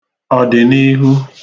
ọ̀dị̀niihu